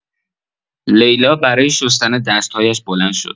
لیلا برای شستن دست‌هایش بلند شد.